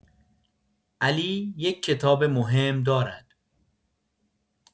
علی یک کتاب مهم دارد